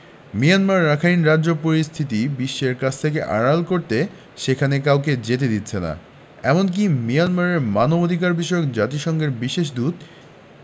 Myanmar Rakhine রাজ্য পরিস্থিতি বিশ্বের কাছ থেকে আড়াল করতে সেখানে কাউকে যেতে দিচ্ছে না এমনকি মিয়ানমারে মানবাধিকারবিষয়ক জাতিসংঘের বিশেষ দূত